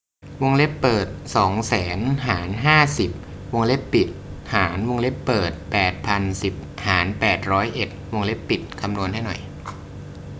วงเล็บเปิดสองแสนหารห้าสิบวงเล็บปิดหารวงเล็บเปิดแปดพันสิบหารแปดร้อยเอ็ดวงเล็บปิดคำนวณให้หน่อย